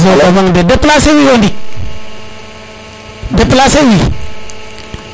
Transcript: depalcer wi o ndik deplacer wi